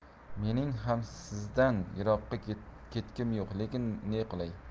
mening ham sizdan yiroqqa ketkim yo'q lekin neqilay